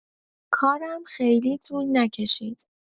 کارم خیلی طول نکشید.